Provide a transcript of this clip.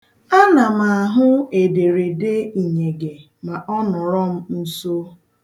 Ana m ahụ edereede inyege ma ọ nọrọ m nso.